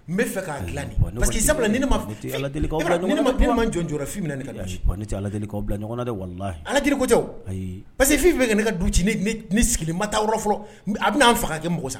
N bɛ fɛ k'a dilan de bon ne kɔni allah deeli k'aw bil ɲɔgɔn na dɛ, parce que sabula ni ne ma Fifi, ni ne man n jɔ n jɔ yɔrɔ, Fifi bɛna ne ka du ci, wa ne tɛ allah deeli k'aw bila ɲɔgɔn na dɛ, wallahi allah deeli ko tɛ, ayi , parce que Fifi b bɛ fɛ ka ne ka du ci ne sigilen ma taa yɔrɔ si fɔlɔ , a bɛna na n faga kɛ mago sa!